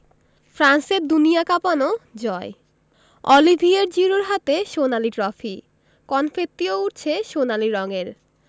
ফ্রান্সের দুনিয়া কাঁপানো জয় অলিভিয়ের জিরুর হাতে সোনালি ট্রফি কনফেত্তিও উড়ছে সোনালি রঙের